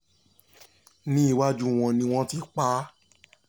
Ní iwájú wọn ni wọ́n ti pa á.